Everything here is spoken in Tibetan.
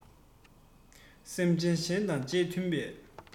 སེམས ཅན གཞན དང རྗེས མཐུན པའི